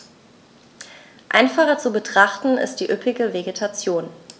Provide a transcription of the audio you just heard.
Einfacher zu betrachten ist die üppige Vegetation.